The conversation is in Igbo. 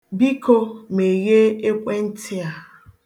Biko, meghee ekwentị a.